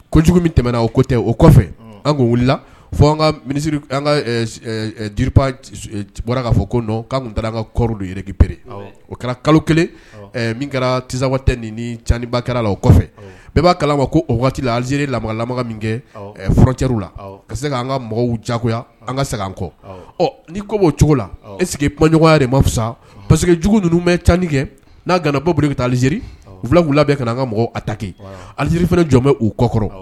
Ko kojugu tɛmɛna ote o kɔfɛ an wili fo ka dip bɔra k'a fɔ ko k'an taa an ka kɔɔri donkipere o kɛra kalo kelen min kɛra tizsawa tɛ ni cba kɛra la o kɔfɛ bɛɛ b'a kala wa ko o waati wagati la aliziiri lamɔgalama min kɛ furacɛ la ka se an ka mɔgɔw jagoya an ka segin an kɔ ɔ ni kɔ o cogo la e sigi kumaɲɔgɔnya de ma fisasa parce quejugu ninnu bɛ cani kɛ n'a kana bɔ boli ka taa aliziiriri fila labɛn ka an ka mɔgɔw a taki alizeri fana jɔn bɛ'u kɔ kɔrɔ